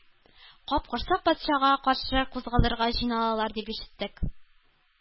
Капкорсак патшага каршы кузгалырга җыйналалар дип ишеттек,